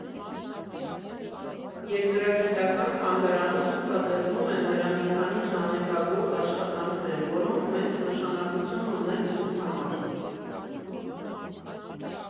Երկրագիտական թանգարանում ցուցադրվում են նրա մի քանի ժանեկագործ աշխատանքներ, որոնք մեծ նշանակություն ունեն ինձ համար։